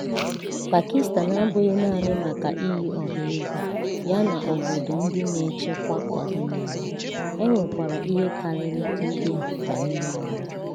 Pakistan abụghị naanị maka iyi ọha egwu yana obodo ndị na-echekwa ọdịnala, e nwekwara ihe karịrị ndị a banyere anyị.